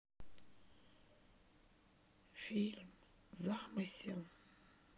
фильм замысел